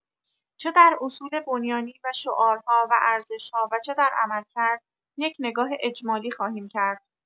چه در اصول بنیانی و شعارها و ارزش‌ها و چه در عملکرد، یک نگاه اجمالی خواهیم کرد.